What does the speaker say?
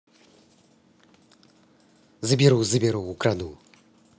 заберу заберу украду